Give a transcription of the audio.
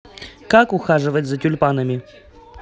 как ухаживать за тюльпанами